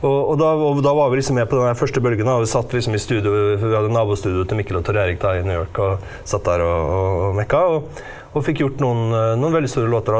og og da og da var vi liksom med på den der første bølgen da, og vi satt liksom i studio for vi hadde nabostudio til Mikkel og Tor Erik da i New York, og satt der og og og mekka, og og fikk gjort noen noen veldig store låter da.